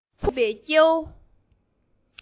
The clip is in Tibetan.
ཕུགས བསམ མེད པའི སྐྱེ བོ